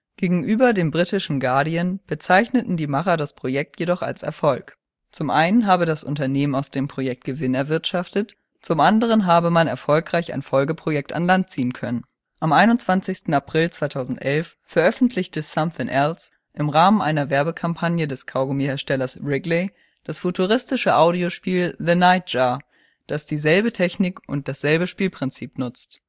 Gegenüber dem britischen Guardian bezeichneten die Macher das Projekt jedoch als Erfolg. Zum einen habe das Unternehmen aus dem Projekt Gewinn erwirtschaftet, zum anderen habe man erfolgreich ein Folgeprojekt an Land ziehen können. Am 21. April 2011 veröffentlichte Somethin’ Else im Rahmen einer Werbekampagne des Kaugummiherstellers Wrigley das futuristische Audio-Spiel The Nightjar, das dieselbe Technik und dasselbe Spielprinzip nutzt